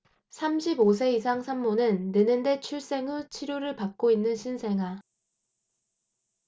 삼십 오 세 이상 산모는 느는데출생 후 치료를 받고 있는 신생아